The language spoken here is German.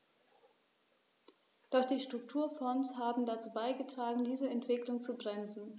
Doch die Strukturfonds haben dazu beigetragen, diese Entwicklung zu bremsen.